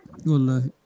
wallahi